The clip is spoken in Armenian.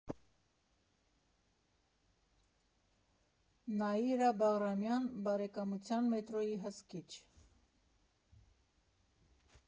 Նաիրա Բաղրամյան, Բարեկամության մետրոյի հսկիչ։